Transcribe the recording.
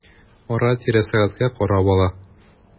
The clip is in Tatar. Ара-тирә сәгатькә карап ала.